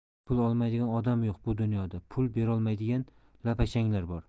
pul olmaydigan odam yo'q bu dunyoda pul berolmaydigan lapashanglar bor